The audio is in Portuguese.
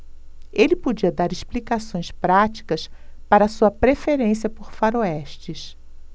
ele podia dar explicações práticas para sua preferência por faroestes